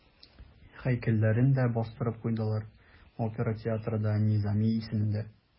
Һәйкәлләрен дә бастырып куйдылар, опера театры да Низами исемендә.